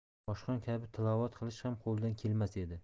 boshqon kabi tilovat qilish ham qo'lidan kelmas edi